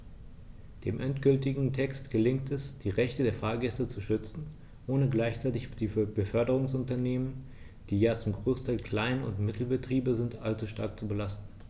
Dem endgültigen Text gelingt es, die Rechte der Fahrgäste zu schützen, ohne gleichzeitig die Beförderungsunternehmen - die ja zum Großteil Klein- und Mittelbetriebe sind - allzu stark zu belasten.